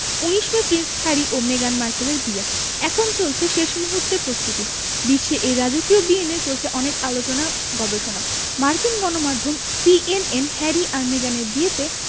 ১৯ May Prince Harry ও মেগান মার্কেলের বিয়ে এখন চলছে শেষ মুহূর্তের প্রস্তুতি বিশ্বে এই রাজকীয় বিয়ে নিয়ে চলছে অনেক আলোচনা গবেষণা মার্কিন গণমাধ্যম সিএনএন হ্যারি আর মেগানের বিয়েতে